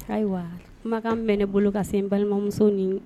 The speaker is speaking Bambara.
Ayiwaa kumakan min bɛ ne bolo ka se n balimamusow nin